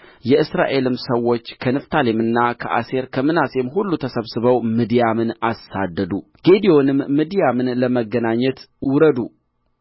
የእስራኤልም ሰዎች ከንፍታሌምና ከአሴር ከምናሴም ሁሉ ተሰብስበው ምድያምን አሳደዱ